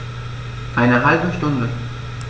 Eine halbe Stunde